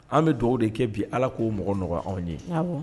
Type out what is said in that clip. An bɛ dugawu de kɛ bi ala ko mɔgɔɔgɔn anw ye